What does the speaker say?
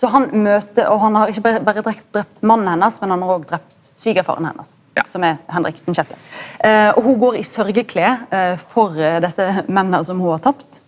så han møter og han har ikkje berre berre drepe mannen hennar men han har og drepe svigerfaren hennar som er Henrik den sjette og ho går i sørgeklede for desse mennene som ho har tapt.